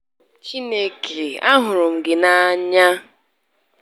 Chineke a hụrụ m gị n'anya!